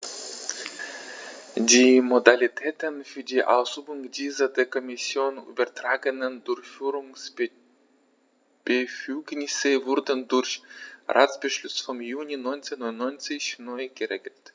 Die Modalitäten für die Ausübung dieser der Kommission übertragenen Durchführungsbefugnisse wurden durch Ratsbeschluss vom Juni 1999 neu geregelt.